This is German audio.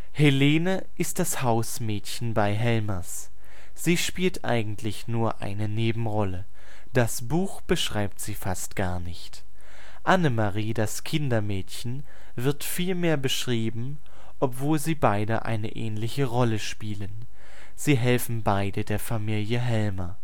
Helene ist das Hausmädchen bei Helmers. Sie spielt eigentlich nur eine Nebenrolle. Das Buch beschreibt sie fast gar nicht. Anne-Marie, das Kindermädchen, wird viel mehr beschrieben, obwohl sie beide eine ähnliche Rolle spielen. Sie helfen beide der Familie Helmer